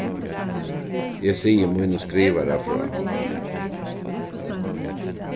eg sigi mínum skrivara frá